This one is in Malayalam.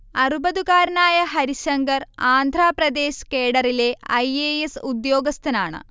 അറുപതുകാരനായ ഹരിശങ്കർ ആന്ധ്രപ്രദേശ് കേഡറിലെ ഐ. എ. എസ് ഉദ്യോഗസ്ഥനാണ്